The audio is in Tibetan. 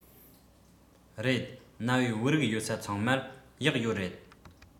རེད གནའ བོའི བོད རིགས ཡོད ས ཚང མར གཡག ཡོད རེད